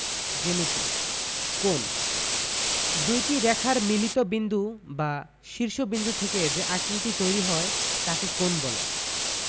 জ্যামিতিঃ কোণঃ দুইটি রেখার মিলিত বিন্দু বা শীর্ষ বিন্দু থেকে যে আকৃতি তৈরি হয় তাকে কোণ বলে